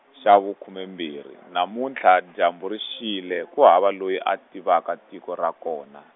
xa vu khume mbirhi namuntlha dyambu ri xile ku hava loyi a tivaka siku ra kona.